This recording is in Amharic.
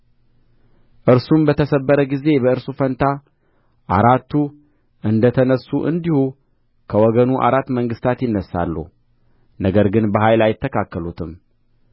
እርሱም በተሰበረ ጊዜ በእርሱ ፋንታ አራቱ እንደ ተነሡ እንዲሁ ከወገኑ አራት መንግሥታት ይነሣሉ ነገር ግን በኃይል አይተካከሉትም